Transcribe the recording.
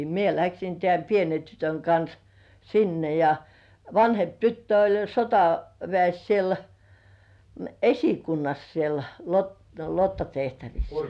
minä lähdin tämän pienen tytön kanssa sinne ja vanhempi tyttö oli sotaväessä siellä esikunnassa siellä lottatehtävissä